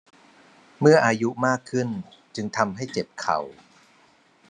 เมื่ออายุมากขึ้นจึงทำให้เจ็บเข่า